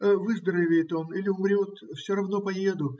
Выздоровеет он или умрет - все равно поеду.